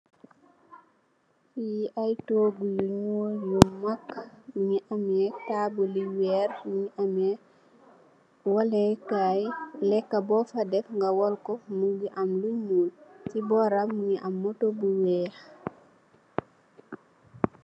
Lii ay toogu yu mak, ñu ngi amee taabuli weer, mu ngi amee walee, kaay, leeka boo fa def mu am lu ñuul. Si bóoram mu am motto mu weex,